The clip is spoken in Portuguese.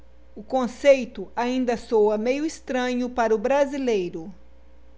o conceito ainda soa meio estranho para o brasileiro